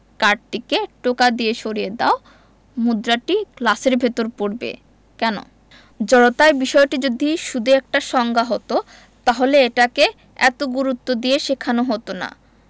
কার্ডটিকে টোকা দিয়ে সরিয়ে দাও মুদ্রাটি গ্লাসের ভেতর পড়বে কেন জড়তার বিষয়টি যদি শুধু একটা সংজ্ঞা হতো তাহলে এটাকে এত গুরুত্ব দিয়ে শেখানো হতো না